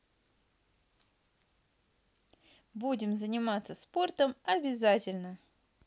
будем заниматься спортом обязательно